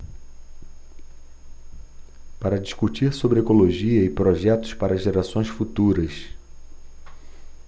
para discutir sobre ecologia e projetos para gerações futuras